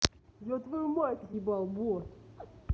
я твою мать ебал бот